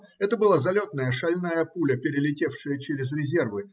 Это была залетная, шальная пуля, перелетевшая через резервы.